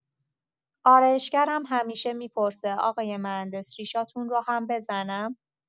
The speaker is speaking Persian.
آرایشگرم همیشه می‌پرسه آقای مهندس ریشاتون رو هم بزنم؟